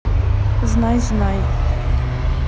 знай знай